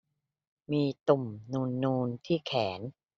มีตุ่มนูนนูนที่แขน